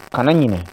Kana ɲ